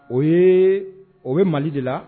O ye o bɛ Mali de la.